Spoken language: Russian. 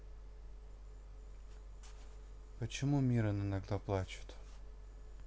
почему мирон иногда плачут